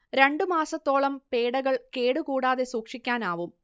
രണ്ടു മാസത്തോളം പേഡകൾ കേടു കൂടാതെ സൂക്ഷിക്കാനാവും